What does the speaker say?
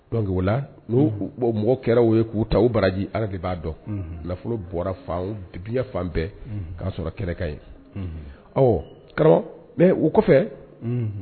Donc o la mɔgɔ kɛra o ye k'u ta o baraji allah de b'a dɔn , unhun ,nafolo bɔra diɲɛn fan bɛɛ k'a sɔrɔ kɛlɛ ka ye, ɔ karamɔgɔ mais_ o kɔfɛ